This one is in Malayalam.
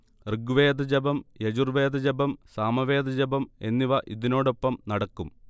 ഋഗ്വേദജപം, യജൂർവേദ ജപം, സാമവേദ ജപം എന്നിവ ഇതിനോടൊപ്പം നടക്കും